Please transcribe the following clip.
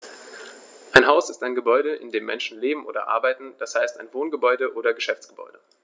Ein Haus ist ein Gebäude, in dem Menschen leben oder arbeiten, d. h. ein Wohngebäude oder Geschäftsgebäude.